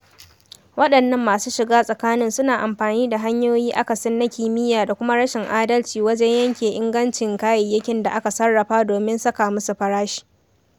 Waɗannan masu shiga tsakanin suna amfani da hanyoyi akasin na kimiyya da kuma rashin adalci wajen yanke ingancin kayayyakin da aka sarrafa domin saka musu farashi.